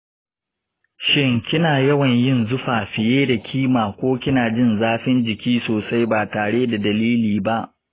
shin kina yawan yin zufa fiye da kima ko kina jin zafin jiki sosai ba tare da dalili ba?